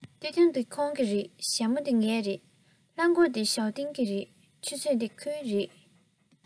སྟོད ཐུང འདི ཁོང གི རེད ཞྭ མོ འདི ངའི རེད ལྷམ གོག འདི ཞའོ ཏིང གི རེད ཆུ ཚོད འདི ཁོའི རེད